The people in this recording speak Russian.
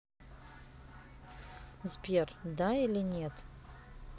сбер да или нет